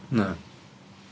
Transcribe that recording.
Na.